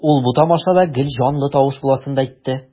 Ул бу тамашада гел җанлы тавыш буласын да әйтте.